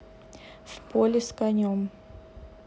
в поле с конем